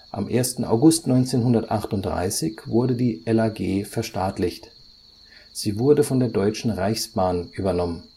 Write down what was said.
Am 1. August 1938 wurde die LAG verstaatlicht. Sie wurde von der Deutschen Reichsbahn übernommen